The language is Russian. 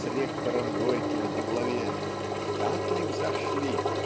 с ректором Горьким во главе так ли взошли